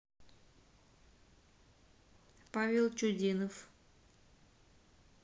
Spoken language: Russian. павел чудинов